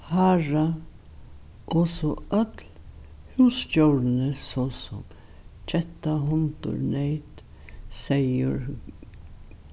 hara og so øll húsdjórini so ketta hundur neyt seyður